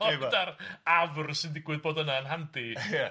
ar afr sy'n digwydd bod yna'n handi... Ia...